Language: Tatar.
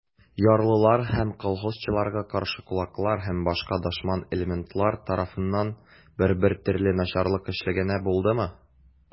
Ярлылар һәм колхозчыларга каршы кулаклар һәм башка дошман элементлар тарафыннан бер-бер төрле начарлык эшләнгәне булдымы?